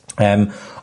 Yym.